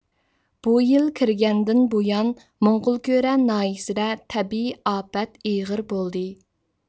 بۇ يىل كىرگەندىن بۇيان موڭغۇلكۈرە ناھىيىسىدە تەبىئىي ئاپەت ئېغىر بولدى